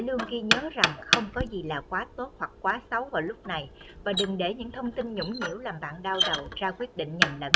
hãy luôn ghi nhớ rằng không có gì là quá tốt hoặc quá xấu vào lúc này và đừng để những thông tin nhũng nhiễu làm bạn đau đầu ra quyết định nhầm lẫn